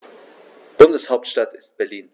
Bundeshauptstadt ist Berlin.